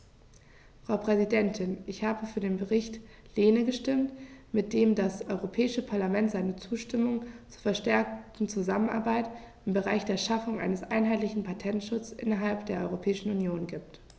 Frau Präsidentin, ich habe für den Bericht Lehne gestimmt, mit dem das Europäische Parlament seine Zustimmung zur verstärkten Zusammenarbeit im Bereich der Schaffung eines einheitlichen Patentschutzes innerhalb der Europäischen Union gibt.